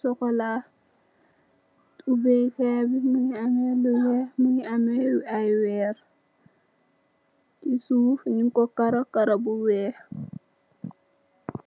sokola ubèkaay bi mungi ameh lu weeh, mungi ameh ay werr. Ci suuf nung ko karo, karo bu weeh.